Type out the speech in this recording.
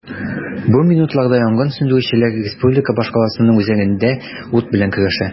Бу минутларда янгын сүндерүчеләр республика башкаласының үзәгендә ут белән көрәшә.